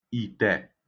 ìtẹ̀